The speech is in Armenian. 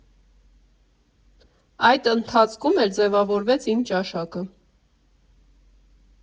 Այդ ընթացքում էլ ձևավորվեց իմ ճաշակը։